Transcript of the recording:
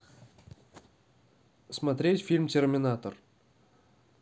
смотреть фильм терминатор